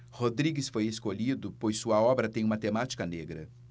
rodrigues foi escolhido pois sua obra tem uma temática negra